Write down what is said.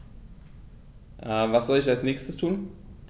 Was soll ich als Nächstes tun?